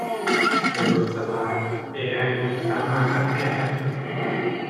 สะดวกสบาย AI สามารถทำแทนได้